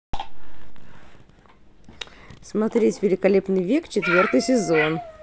смотреть великолепный век четвертый сезон